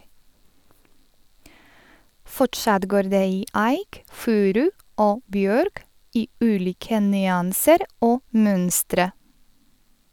Fortsatt går det i eik, furu og bjørk - i ulike nyanser og mønstre.